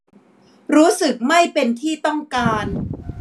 รู้สึกไม่เป็นที่ต้องการ